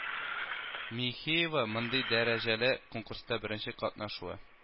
Михеева мондый дәрәҗәле конкурста беренче катнашуы